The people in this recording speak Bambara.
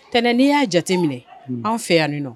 Tɛnɛn'i y'a jate minɛ an fɛ yan nɔ